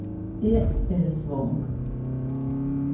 eg eri svong